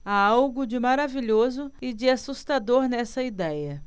há algo de maravilhoso e de assustador nessa idéia